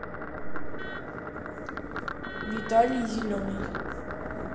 виталий зеленый